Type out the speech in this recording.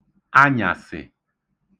anyàsị̀